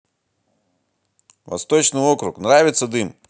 восточный округ нравится дым